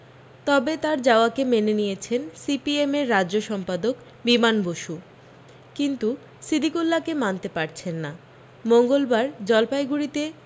তবে তাঁর যাওয়াকে মেনে নিয়েছেন সিপিএমের রাজ্য সম্পাদক বিমান বসু কিন্তু সিদিকূল্লাকে মানতে পারছেন না মঙ্গলবার জলপাইগুড়িতে